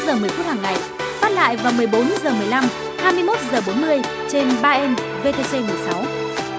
giờ mười phút hằng ngày phát lại vào mười bốn giờ mười lăm hai mươi mốt giờ bốn mươi trên ba êm vê tê xê mười sáu